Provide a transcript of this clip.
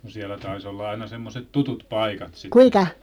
no siellä taisi olla aina semmoiset tutut paikat sitten